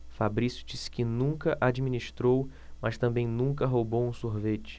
fabrício disse que nunca administrou mas também nunca roubou um sorvete